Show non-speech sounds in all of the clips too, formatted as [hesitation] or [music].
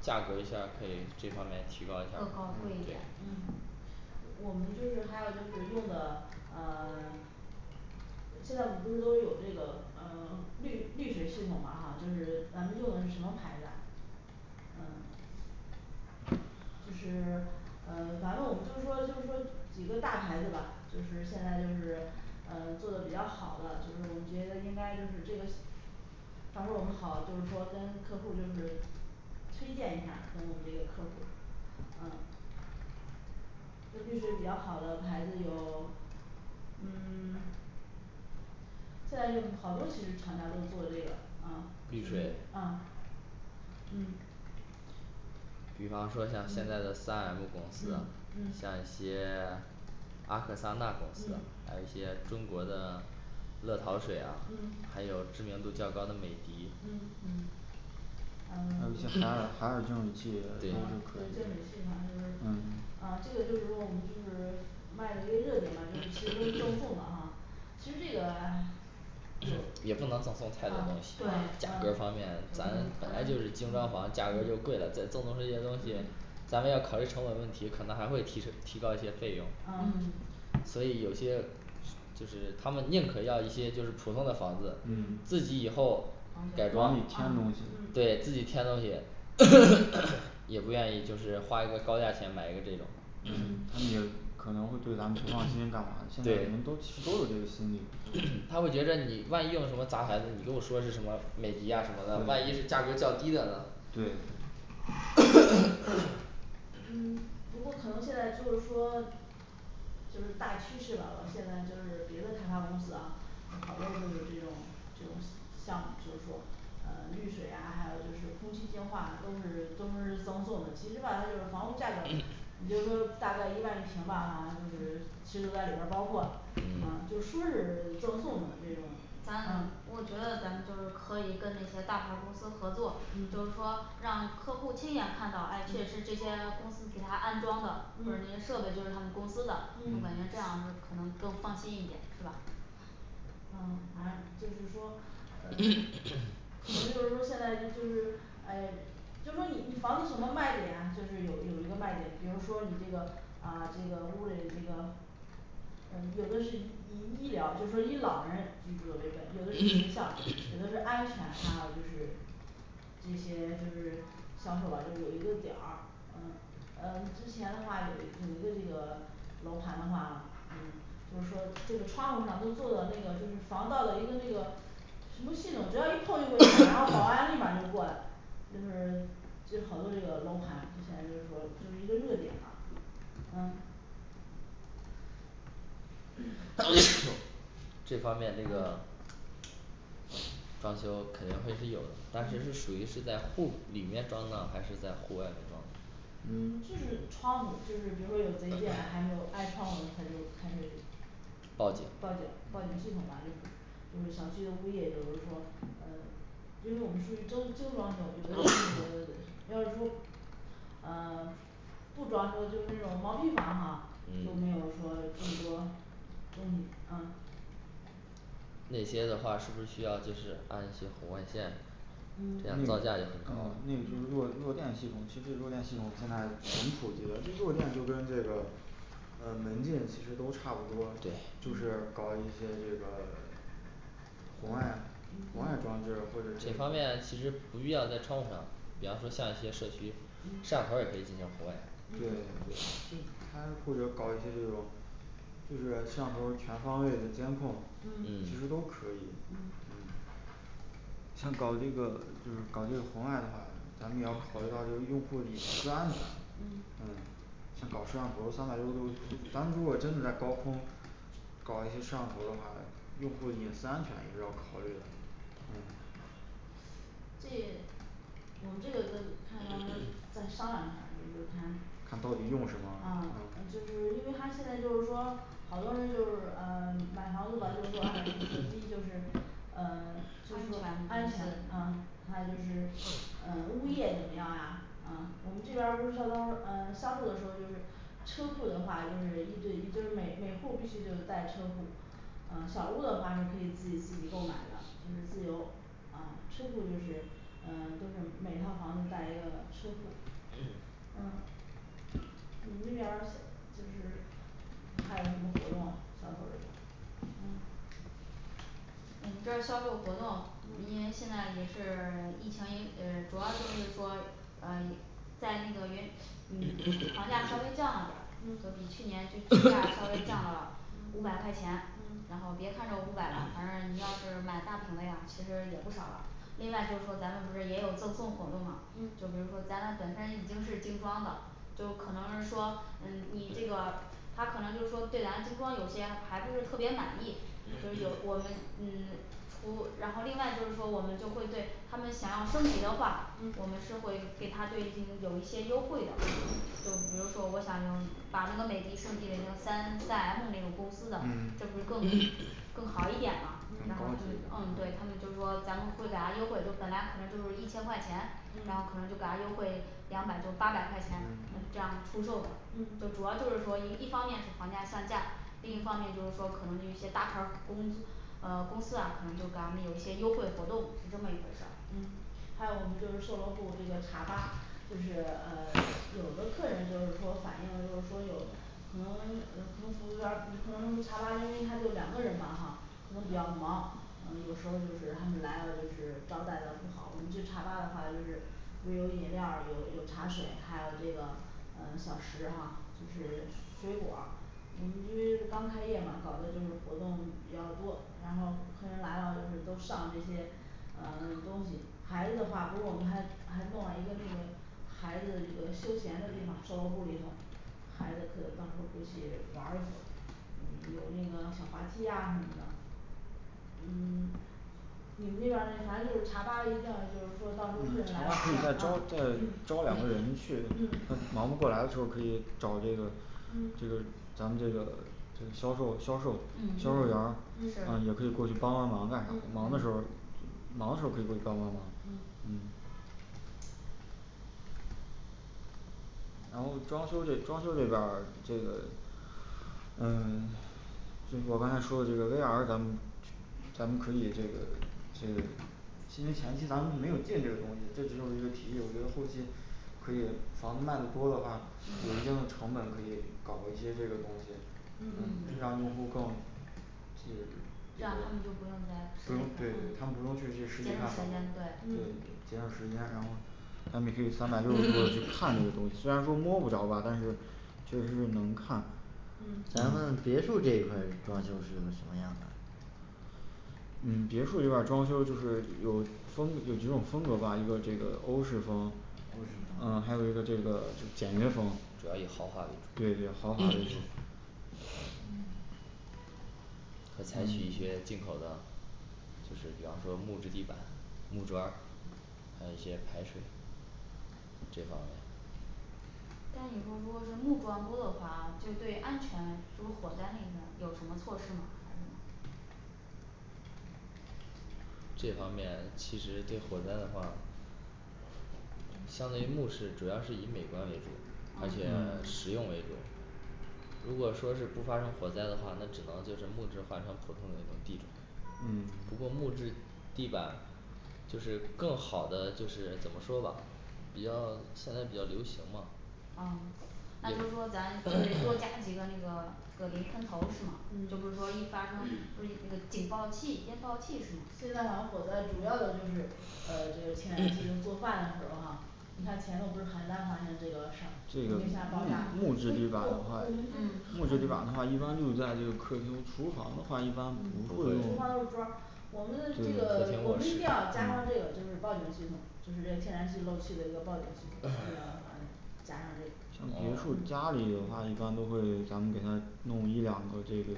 价格一下儿可以这方面提高一下搞儿搞贵一点嗯嗯我我们就是还有就是用的嗯 [silence] 呃现在我们不是都有这个嗯滤滤水系统嘛啊就是咱们用的是什么牌子啊嗯 [silence] 就是嗯反正我们就是说就是说几个大牌子吧就是现在就是嗯做的比较好的就是我们觉得应该就是这个到时候儿我们好就是说跟客户儿就是推荐一下儿跟我们这个客户儿嗯就滤水比较好的牌子有嗯 [silence] 现在就是好多其实厂家都做这个啊滤水嗯啊嗯比方说像现在的嗯三M公嗯司像一嗯些阿克萨纳公司还嗯有一些中国的乐淘水啊嗯还有知名度较高的美的嗯嗯嗯嗯就是净水器反正就是尤其还有还有净水器嗯对嗯这个就是如果我们就是卖的一个热点嘛就是其实都是赠送的啊其实这个 [silence] 对也不能赠送太多东啊西价对格方嗯面咱本本来来对就是精装房价格就嗯贵了再赠送这些东西咱们要考虑成本问题可能还会提升提高一些费用嗯嗯所以有些就是他们宁可要一些就是普通的房子嗯自己以后改房装子添东啊西嗯对自己添东西 [crosstalk] 也不愿意就是花一个高价钱买一个这种嗯也可能会对咱们不放心干嘛现在人都对人都有这个心理 [crosstalk] 嗯他会觉得你万一用什么杂牌子你跟我说是什么美的啊什么的万一是对价格较低的呢嗯 [hesitation] 嗯不过可能现在就是说就是大趋势了嘛现在就是别的开发公司啊就好多都有这种这东西项目就是说嗯滤水啊还有就是空气净化啊都是都是赠送的其实吧他就是房屋价格 [crosstalk] 也就是说大概一万一平吧反正就是其实都里边儿包括嗯嗯就说是赠送的那种嗯咱嗯嗯我觉得咱们就是可以跟那些大牌儿公司合作就是嗯说让客户儿亲眼看到哎确实这些嗯公司给他安装的或者那些嗯设备就是他们公司的我感觉嗯这样是可能更放心一点是吧嗯反正就是说嗯可能就是说 [crosstalk] 现在就是诶就是说你你房子什么卖点啊就是有有一个卖点比如说你这个啊这个屋儿里这个嗯有的是医医医疗就是说以老人居住的为本有的是学校有的是 [crosstalk] 安全还有就是这些就是销售啊就是有一个点儿嗯嗯之前的话有有一个这个楼盘的话嗯就是说这个窗户上都做的那个就是防盗的一个那个什么系统只要一碰就会响然后保安立 [hesitation] 马就过来就是就好多这个楼盘现在就是说就是一个热点嘛嗯这方面这个 [crosstalk] 装修肯定会是有的但是这是嗯属于是在户里面装呢还是在户外面装呢嗯就是窗户就是比如说有贼进来还没有挨窗门他就开始报警报警报警系统嘛就是就是小区的物业就是说嗯就是我们属于精精装修有的就 [crosstalk] 是要是说嗯 [silence] 不装修就是一种毛坯房哈就没有嗯说就是说嗯啊那些的话是不是需要就是安一些红外线嗯这样造 [silence] 价也很高嗯对嗯就弱弱电系统其实弱电系统现在很普及了就弱电就说这个呃门禁其实都差不多对就是搞一些这个红外红嗯外装嗯置或者是这方面其实不必要在窗户上比方说像一些社区摄像嗯头也可以进行红外对对对嗯这他或者搞一些这种就是摄像头全方位的监控其实嗯嗯都可以嗯嗯想搞这个就是搞这个红外的话咱们要考虑到这个用户儿的隐私安全嗯嗯像搞摄像头儿三百六十度咱们如果真的在高空搞一些摄像头儿的话呢用户的隐私安全也是要考虑的嗯这我们这个呃看再商量一下儿就是看看到底用什么啊嗯就是因为它现在就是说好多人就是嗯买房子吧就是说啊就是第一就是嗯说安安全全隐嗯私还有就是嗯物业怎么样啊呃我们这边儿不是说到时候嗯销售的时候就是车库的话就是一对一就是每每户儿必须就带车库嗯小屋儿的话是可以自己自己购买的就是自由嗯车库就是嗯就是每套房子带一个车库& [hesitation] &嗯你们那边儿现 [unintelligible] 就是还有什么活动啊销售这个嗯我们这儿销售活动因为嗯现在也是疫情因嗯主要就是说嗯在那个原 [unintelligible] 嗯房价稍微 [crosstalk] 降了点儿就比嗯去年就降价& [hesitation] &稍微降了 [crosstalk] 五百块钱然嗯后别看这五百了反正你要是买大平的呀其实也不少了另外就是说咱们不是也有赠送活动嘛就比如嗯说咱们本身已经是精装的就是可能是说嗯你这个他可能就是说对咱精装有些还不是特别满意就是有嗯我们嗯除然后另外就是说我们就会对他们想要升级的话我们嗯是会给他对有一些优惠的就嗯比如说我想用把那个美的升级为那三代M呢个公司的这不是嗯更& [crosstalk] &更好一点嘛然后他们高嗯嗯级对他们就说咱们会给他优惠就本来可能就是一千块钱然后可能就嗯给他优惠两百就八百块钱嗯这样出售的就主嗯要就是说一一方面是房价降价另一方面就是说可能那些大牌儿工资嗯公司啊可能就给他们一些优惠活动是这么一回事儿嗯还有我们就是这个售楼部这个茶吧就是呃有的客人就是说反映就是说有可能呃从服务员儿嗯可能茶吧因为它就两个人嘛哈可能比较忙嗯有时候儿就是他们来了就是招待的不好我们就茶吧的话就是不是有饮料儿有有茶水还有这个嗯小食哈就是水果儿嗯因为刚开业嘛搞的就是活动比较多然后客人来了就是都上这些嗯东西孩子的话不是我们还还弄了一个那个孩子的一个休闲的地方售楼部儿里头儿孩子可到时候过去玩一会儿嗯有那个小滑梯呀什么的嗯 [silence] 你们那边儿反正就茶吧一定要就是说到时候客嗯人茶来了一吧定是一啊个嗯招嗯招两个人去嗯嗯呃忙不过来的时候儿可以找这个这个咱们这个这个销售销售销售嗯员儿然后是嗯也可以过去帮帮忙干什么的忙嗯的时候儿嗯忙的时候可以帮帮忙嗯然后装修这装修这边儿这个嗯 [silence] 嗯我刚才说的这个V R咱们咱们可以这个是因为前期咱们没有定这个东西这只是我一个提议我觉得后期可以房子卖的多的话有一定嗯的成本可以搞一些这个东西嗯嗯让用户儿更这样他们就不用再不嗯用节对省他们不用去实体看房节嗯省时时间间对啊他们去看看 [crosstalk] 看这个东西虽然说摸不着吧但是确确实实能看嗯咱们别墅这一块儿装修是什么样的嗯别墅这边装修就是有风有一种风格吧一个这个欧式风还有什么嗯呢嗯还有一个这个简单风主对要以对豪豪华华为对主 [crosstalk] 可采取一些进口的就是比方说木质地板木砖儿还有一些排水这方面但你说如果是木桩多的话啊就对安全是不火灾那片儿有什么措施吗还是这方面其实对火灾的话相对木饰主要是以美观为主而且嗯嗯实用为主如果说是突发性火灾的话那只能就是木质换成普通人的地嗯不过木质地板就是更好的就是怎么说吧比较现在比较流行嘛啊那就说咱就得多加 [crosstalk] 几个那个可淋喷头是吗就不是嗯说一发生不是那个警报器烟爆器是吗嗯现在好像火灾主要的就是嗯这个天然气去做饭的时候儿啊你看前段不是邯郸发现这个省这容个易下爆炸所以我我木们这儿质嗯地板的话嗯厨木质地房板的都嗯话一般都是在客厅厨房的话一般不会是砖儿我们的这个我们一定要加上这个就是报警系统就是这天然气漏气的一个报警系统一定要反正诶加上这个像嗯别墅好家里的话一般都会咱们给他们弄一两个这个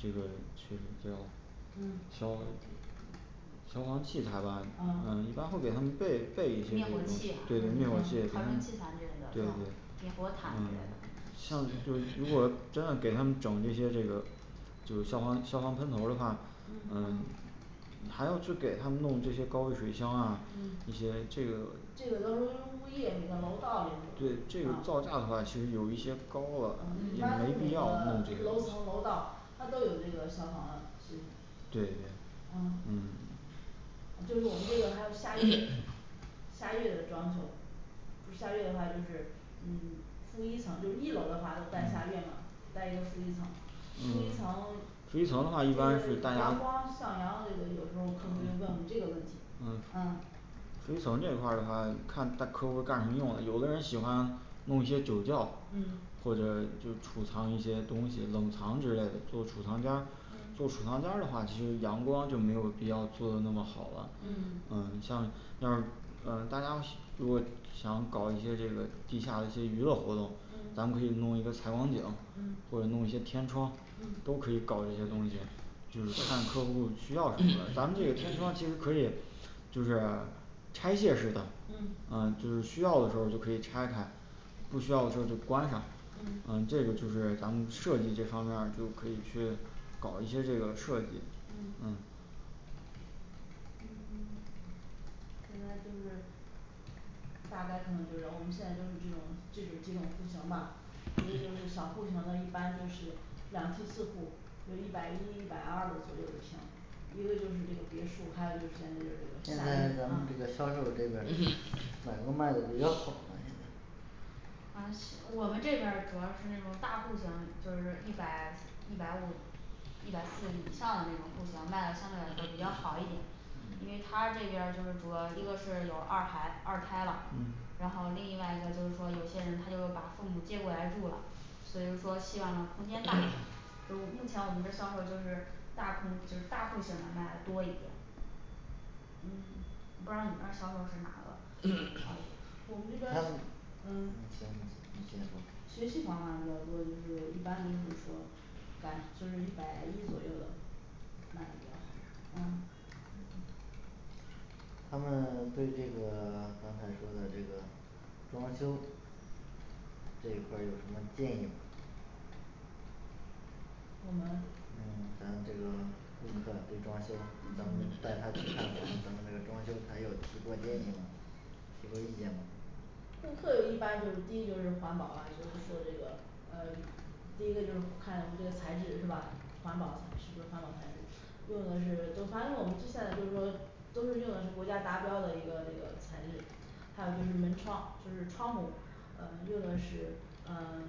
这个确实这嗯消消防器材吧嗯一嗯般会给他们备备对灭灭火火器对对对器和逃嗯生器材之类的是吧灭火毯之类的下面会如果真的给他们整一些这个就消防消防喷头儿的话嗯嗯嗯还要去给他们弄这些高危水箱啊一嗯些这个嗯这对个到时候儿就物业一个楼道里头这个造价的话其实有一些高了啊一般就是每个就楼层楼道他都有这个消防的系统对嗯嗯呃就是我们这个还有下跃& [crosstalk] &下跃的装修不是下跃的话就是嗯负一层就一楼的话就带下跃嘛带一个负一层嗯负负一一层层的就话一般是是大家阳光向阳这个有时候儿客户就问我们这个问题嗯嗯负一层这一块儿的话看他客户儿干什么用的有的人喜欢弄一些酒窖嗯或者就储藏一些东西冷藏之类的做储藏间儿做储嗯藏间儿的话其实阳光就没有必要做那么好了嗯嗯嗯像要是呃大家喜 [unintelligible] 如果想搞一些这个地下的这娱乐活动咱们可以嗯弄一个采光顶或者嗯弄一些天窗都嗯可以搞一些东西就是看客户儿需要什么咱们这个 [crosstalk] 天窗其实可以就是拆卸式的嗯嗯就是需要的时候就可以拆开不需要的时候儿就关上嗯嗯这个就是咱们设计这方面儿就可以去搞一些这个设计嗯嗯嗯 [silence] 现在就是大概可能就是我们现在就是这种这种这种户型儿吧一个就是小户型的一般就是两梯四户儿有一百一一百二的左右的平一个就是这个别墅还有就是现现在在来就说这咱们这个销售这个个嗯 [crosstalk] 哪种卖的比较好呢而且我们这边儿主要是那种大户型就是一百一百五一百四以上的那种户型卖的相对来说& [crosstalk] &比较好一点因为他这边儿就是主要一个是有二孩二胎了然嗯后另外一个就是说有些人他就把父母接过来住了所以就说希望空间大一点 [crosstalk] 就是目前我们的销售就是大空就是大户型的卖的多一点不知道你那儿销售是哪个& [crosstalk] &好一点儿我们这边儿咱嗯行你先说学区房卖的比较多就是一般就是说干就是一百一左右的卖的比较好嗯嗯他们对这个刚才说的这个装修这一块儿有什么建议我们嗯咱这个顾客对装修咱们嗯你带嗯他去看看咱们这个 [crosstalk] 装修还有提过意见吗提出意见顾客就一般就是第一就是环保了就是说这个呃第一个就是看这个材质是吧环保是不是环保材质用的是都反正我们就现在就是说都是用的是国家达标的一个这个材质还有就是门窗就是窗户嗯用的是嗯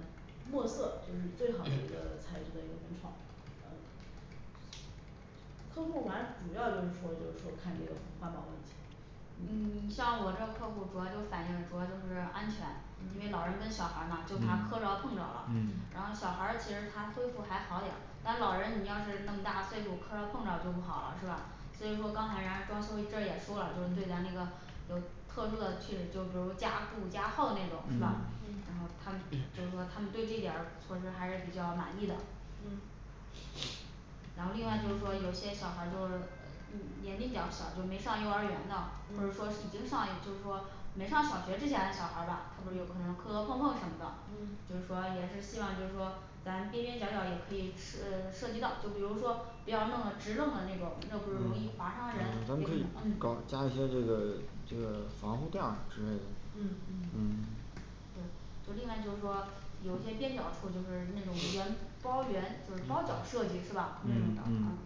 墨色就是最好的一个 [crosstalk] 材质的一个门窗嗯客户儿反正主要就是说就是说看这个环环保问题嗯 [silence] 像我这客户儿主要就反映主要就是安全因为老人嗯跟小孩儿嘛就怕磕着碰着了嗯嗯然后小孩儿其实他恢复还好点儿但是老人你要是那么大岁数磕着碰着就不好了是吧所以说刚才人家装修这也说了就是对咱那嗯个有特殊的去就比如加固加厚那种是嗯吧然后嗯他们就嗯说他们对这点儿措施还是比较满意的然后另外就是说有些小孩儿就是年龄较小就没上幼儿园的或者说是已嗯经上就是说没上小学之前的小孩儿吧他总有可能磕磕碰碰什么的就嗯是说也是希望就是说咱边边角儿角儿也可以涉涉及到就比如说不要那么直愣的那种那不是容易划伤人也也可可以以搞加一些这个这个防护垫儿之类的嗯嗯嗯对就另外就是说有一些边角儿处就是那种圆包圆就是包角设计是吧那种嗯的嗯嗯嗯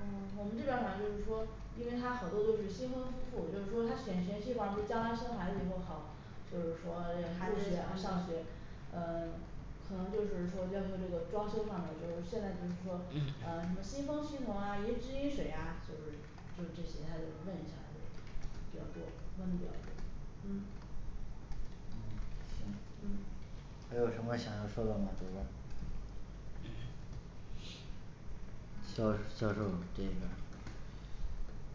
嗯 [silence] 我们这边儿反正就是说因为他好多都是新婚夫妇就是说他选学区房不是将来生孩子以后好就是说这孩子入学嗯上学嗯 [silence] 可能就是说要求这个装修上面儿就是现在就是说嗯什么新风系统啊饮直饮水啊就是就这些他就问一下儿就是比较多问得比较多嗯嗯啊嗯行嗯还有什么想要说的吗这边儿嗯销销售这一边儿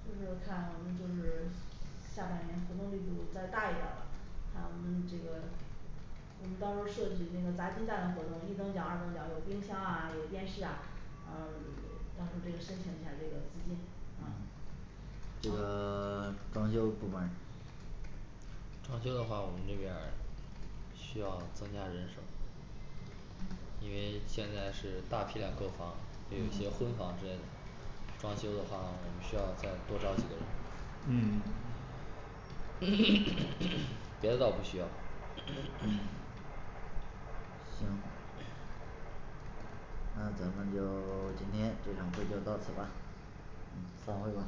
就是看我们就是下半年活动力度再大一点儿的还有我们这个我们到时候设计那个砸金蛋的活动一等奖二等奖有冰箱啊有电视啊嗯 [silence] 到时候这个申请一下这个资金啊这啊个 [silence] 装修的部门装修的话我们这边儿需要增加人手嗯因为现在是大批量购房有一些婚房之类的装修的话我们需要再多招几个人嗯 [crosstalk] 别的倒不需要 [crosstalk] 行那咱们就 [silence] 今天这场会就到此吧嗯散会吧